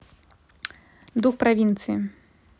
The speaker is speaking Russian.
дух провинции